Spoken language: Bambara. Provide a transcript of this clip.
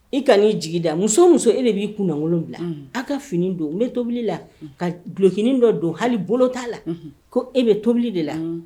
I ka'i jigi da muso muso e de b'i kunkolon bila a ka fini don ne tobili la ka dulokiininin dɔ don hali bolo t'a la ko e bɛ tobili de la